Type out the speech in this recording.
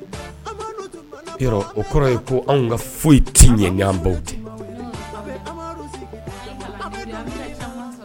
O kɔrɔ ye ko anw ka foyi tɛ ɲɛ baw de